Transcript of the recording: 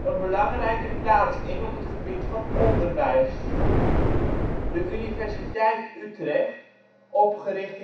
belangrijke plaats in op het gebied van onderwijs. De Universiteit Utrecht (opgericht